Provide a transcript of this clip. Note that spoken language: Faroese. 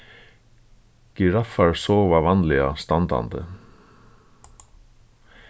giraffar sova vanliga standandi